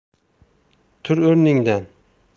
tur o'rningdan